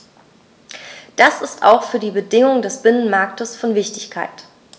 Das ist auch für die Bedingungen des Binnenmarktes von Wichtigkeit.